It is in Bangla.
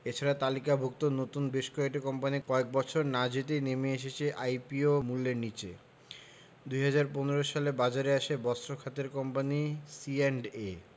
এ ছাড়া তালিকাভুক্ত নতুন বেশ কয়েকটি কোম্পানি কয়েক বছর না যেতেই নেমে এসেছে আইপিও মূল্যের নিচে ২০১৫ সালে বাজারে আসে বস্ত্র খাতের কোম্পানি সিঅ্যান্ডএ